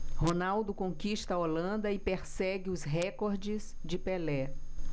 ronaldo conquista a holanda e persegue os recordes de pelé